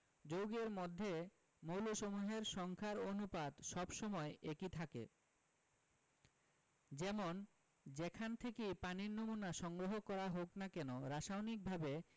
যৌগের মধ্যে মৌলসমূহের সংখ্যার অনুপাত সব সময় একই থাকে যেমন যেখান থেকেই পানির নমুনা সংগ্রহ করা হোক না কেন রাসায়নিকভাবে